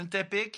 yn debyg.